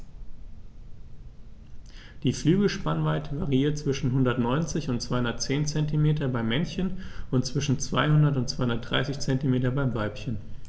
Die Flügelspannweite variiert zwischen 190 und 210 cm beim Männchen und zwischen 200 und 230 cm beim Weibchen.